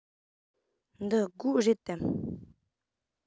འདི སྒོ རེད དམ